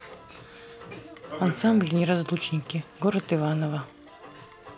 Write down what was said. ансамбль неразлучники город иваново